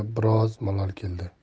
akaga biroz malol keldi